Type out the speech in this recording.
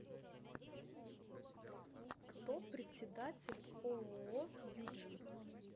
кто председатель ооо юджин